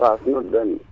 faas noddanmi